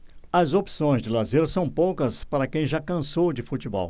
as opções de lazer são poucas para quem já cansou de futebol